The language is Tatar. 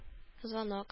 Звонок